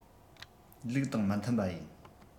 ལུགས དང མི མཐུན པ ཡིན